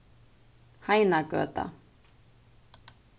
heinagøta